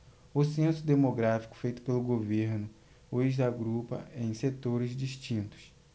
o censo demográfico feito pelo governo os agrupa em setores distintos